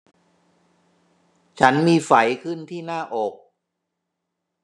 ฉันมีไฝขึ้นที่หน้าอก